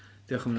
Diolch am hynna.